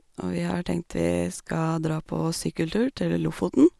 Og vi har tenkt vi skal dra på sykkeltur til Lofoten.